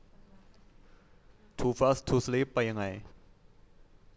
ทูฟาสต์ทูสลีบไปยังไง